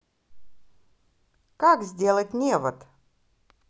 как сделать невод